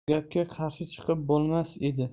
bu gapga qarshi chiqib bo'lmas edi